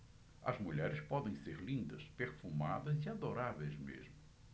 as mulheres podem ser lindas perfumadas e adoráveis mesmo